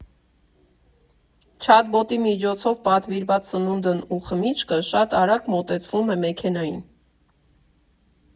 Չատբոտի միջոցով պատվիրված սնունդն ու խմիչքը շատ արագ մոտեցվում է մեքենային։